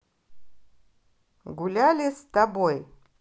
гуляли с тобой